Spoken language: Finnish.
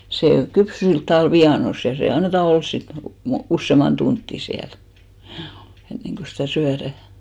se kypsy sillä tavalla vienossa ja se annetaan olla sitten - useamman tuntia siellä juu ennen kuin sitä syödään